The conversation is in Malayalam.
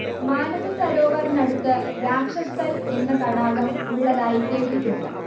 മാനസസരോവറിനടുത്ത് രാക്ഷസ്ഥൽ എന്ന തടാകം ഉളളതായി കേട്ടിട്ടുണ്ട്